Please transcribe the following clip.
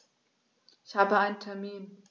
Ich habe einen Termin.